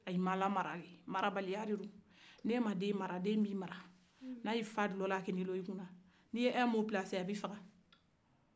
u ma lamara marabaliya de don ne mi den mara a b'i mara n'a ye fa dulɔ la kana ni ye in mo pilase a bi faga